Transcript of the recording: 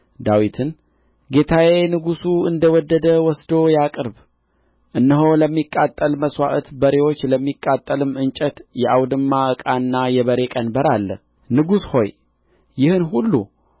ዳዊትን ጌታዬ ንጉሡ እንደ ወደደ ወስዶ ያቅርብ እነሆ ለሚቃጠል መሥዋዕት በሬዎች ለሚቃጠልም እንጨት የአውድማ ዕቃና የበሬ ቀንበር አለ ንጉሥ ሆይ ይህን ሁሉ